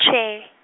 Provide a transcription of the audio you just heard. tjhe .